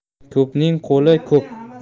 ko'pning qo'li ko'p